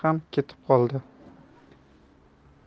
hamma ketib qoldi